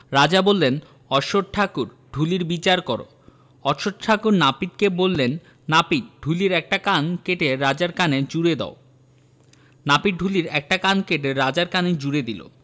রাজা বললেন অশ্বত্থ ঠাকুর ঢুলির বিচার কর অশ্বত্থ ঠাকুর নাপিতকে বললেন নাপিত ঢুলির একটি কান কেটে রাজার কানে জুড়ে দাও নাপিত ঢুলির একটি কান কেটে রাজার কানে জুড়ে দিল